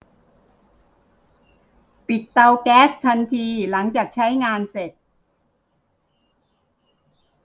ปิดเตาแก๊สทันทีหลังจากใช้งานเสร็จ